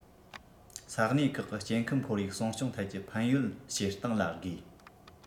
ས གནས ཁག གི སྐྱེ ཁམས ཁོར ཡུག སྲུང སྐྱོང ཐད ཀྱི ཕན ཡོད བྱེད སྟངས ལ དགོས